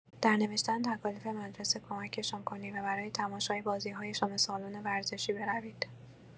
در نوشتن تکالیف مدرسه کمکشان کنید و برای تماشای بازی‌هایشان به سالن ورزشی بروید.